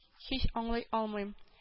Һич аңлый алмыйм